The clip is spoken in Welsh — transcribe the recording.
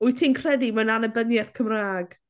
Wyt ti'n credu mewn annibyniaeth Cymraeg?